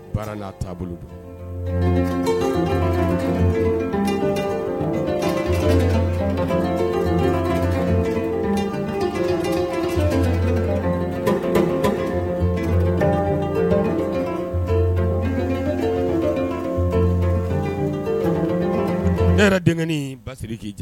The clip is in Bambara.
Ne deng ba k'i cɛ